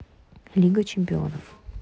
лига чемпионов